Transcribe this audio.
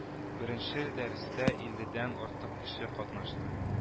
Беренче дәрестә илледән артык кеше катнашты